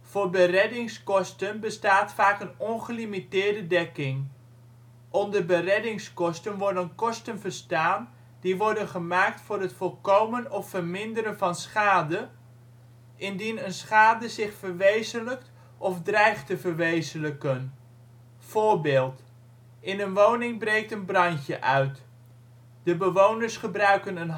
Voor bereddingskosten bestaat vaak een ongelimiteerde dekking. Onder bereddingskosten worden kosten verstaan die worden gemaakt voor het voorkomen of verminderen van schade, indien een schade zich verwezenlijkt of dreigt te verwezenlijken. voorbeeld In een woning breekt een brandje uit. De bewoners gebruiken een